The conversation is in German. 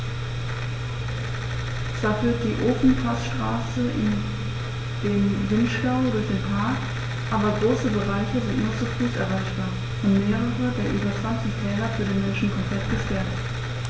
Zwar führt die Ofenpassstraße in den Vinschgau durch den Park, aber große Bereiche sind nur zu Fuß erreichbar und mehrere der über 20 Täler für den Menschen komplett gesperrt.